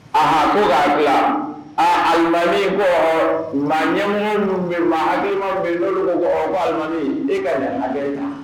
A ko' a alimami ko nka ɲɛmɔgɔ ninnu bɛlima bɛ koɔlimami e ka ɲamakalakɛ i la